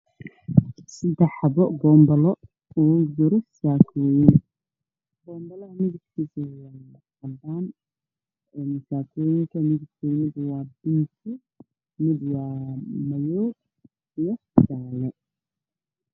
Sedax xabo boon balo ugu juro saakoyin mid waa madow midna waa qaxwi mida kale cadaan